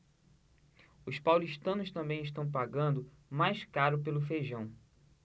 os paulistanos também estão pagando mais caro pelo feijão